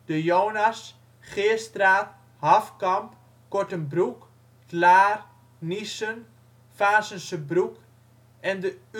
Jonas, Geerstraat, Hafkamp, Kortenbroek, ' t Laar, Niersen, Vaassense broek en De Uulenberg